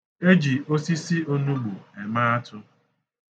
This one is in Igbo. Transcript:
E ji osisi onugbu eme atụ.